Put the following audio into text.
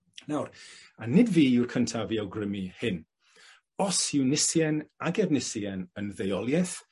Nawr a nid fi yw'r cyntaf i awgrymu hyn. Os yw Nisien ag Efnisian yn ddeuolieth,